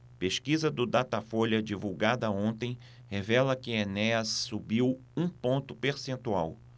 pesquisa do datafolha divulgada ontem revela que enéas subiu um ponto percentual